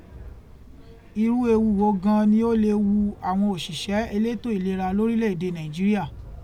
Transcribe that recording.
Irú ewu wo gan an ni ó lè wu àwọn òṣìṣẹ́ elétò ìlera lórílẹ̀ èdè Nàìjíríà?